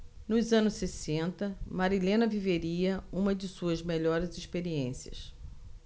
nos anos sessenta marilena viveria uma de suas melhores experiências